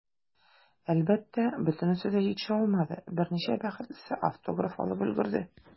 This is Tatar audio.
Әлбәттә, бөтенесе дә җитешә алмады, берничә бәхетлесе автограф алып өлгерде.